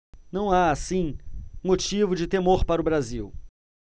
não há assim motivo de temor para o brasil